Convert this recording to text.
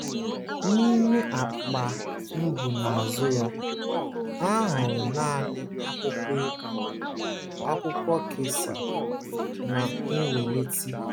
N'ime akpa mbunazụ ya, ha hụrụ naanị akwụkwọ egwu, akwụkwọ gasị, na wọleetị.